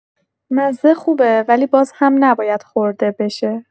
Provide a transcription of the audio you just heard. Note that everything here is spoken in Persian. مزه خوبه، ولی باز هم نباید خورده بشه.